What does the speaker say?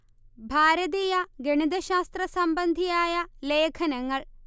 ഭാരതീയ ഗണിത ശാസ്ത്ര സംബന്ധിയായ ലേഖനങ്ങൾ